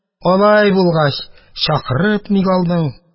Алай булгач, чакырып ник алдың?